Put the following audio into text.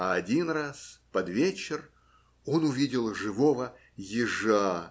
а один раз, под вечер, он увидел живого ежа!